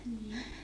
niin